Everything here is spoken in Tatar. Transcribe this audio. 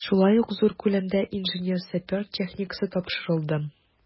Шулай ук зур күләмдә инженер-сапер техникасы тапшырылды.